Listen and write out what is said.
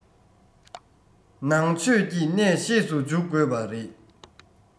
ནང ཆོས ཀྱི གནད ཤེས སུ འཇུག དགོས པ རེད